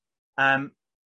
yym